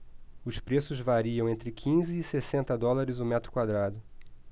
os preços variam entre quinze e sessenta dólares o metro quadrado